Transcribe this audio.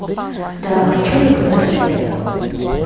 да хочу заказать хлеб